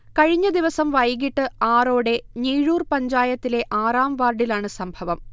കഴിഞ്ഞദിവസം വൈകീട്ട് ആറോടെ ഞീഴൂർ പഞ്ചായത്തിലെ ആറാം വാർഡിലാണ് സംഭവം